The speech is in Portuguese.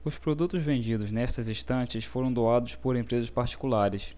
os produtos vendidos nestas estantes foram doados por empresas particulares